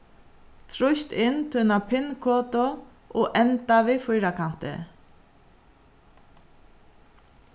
trýst inn tína pin-kodu og enda við fýrakanti